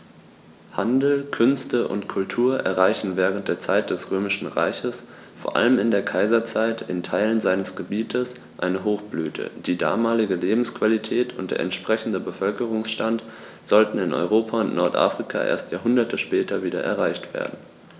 Handel, Künste und Kultur erreichten während der Zeit des Römischen Reiches, vor allem in der Kaiserzeit, in Teilen seines Gebietes eine Hochblüte, die damalige Lebensqualität und der entsprechende Bevölkerungsstand sollten in Europa und Nordafrika erst Jahrhunderte später wieder erreicht werden.